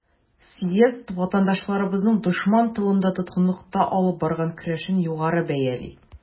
Съезд ватандашларыбызның дошман тылында, тоткынлыкта алып барган көрәшен югары бәяли.